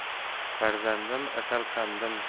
farzandim asal qandim